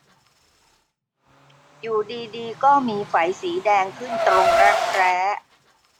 อยู่ดีดีก็มีไฝสีแดงขึ้นตรงรักแร้